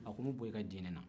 a ko n bɛ b'i ka dinɛna